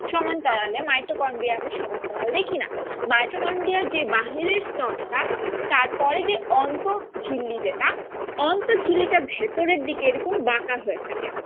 সমান্তরালে মাইটোকনড্রিয়ায এরকম সমান্তরাল দেখি না মাইটোকনড্রিয়ার যে বাহিরের স্তর টা তারপরে যে অন্ত ঝিল্লি যেটা অন্ত ঝিল্লি টা ভেতরের দিকে এরকম বাঁকা হয়ে থাকে